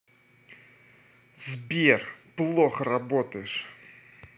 сбер плохо работаешь